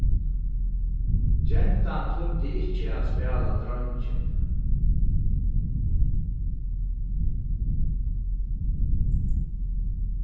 gentan tímdi ikki at spæla dreingin